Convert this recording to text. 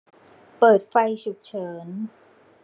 เปิดไฟฉุกเฉิน